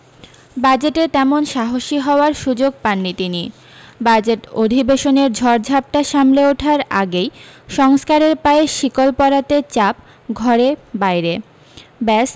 বাজেটে তেমন সাহসী হওয়ার সু্যোগ পাননি তিনি বাজেট অধিবেশনের ঝড়ঝাপটা সামলে ওঠার আগেই সংস্কারের পায়ে শিকল পরাতে চাপ ঘরে বাইরে ব্যস